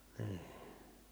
niin